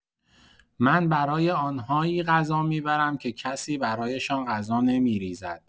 من برای آن‌هایی غذا می‌برم که کسی برایشان غذا نمی‌ریزد.